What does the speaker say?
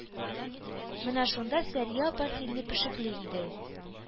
Менә шунда Сәрия апа сине пешекли инде